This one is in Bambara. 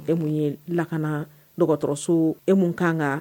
E mun ye lakana dɔgɔtɔrɔso e min kan kan